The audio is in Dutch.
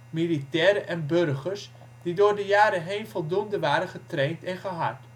militairen en burgers die door de jaren heen voldoende waren getraind en gehard